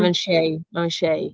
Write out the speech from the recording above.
Mae'n shei, mae'n shei.